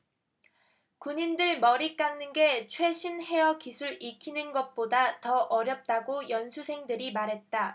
군인들 머리 깎는 게 최신 헤어 기술 익히는 것보다 더 어렵다고 연수생들이 말했다